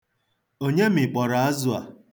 Onye mịkpọrọ azụ a? I need a dried fish. Ọ ga-adị mma ịmịkpọ ya.